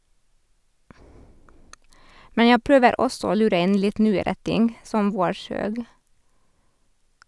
Men jeg prøver også å lure inn litt nyere ting, som "Vårsøg".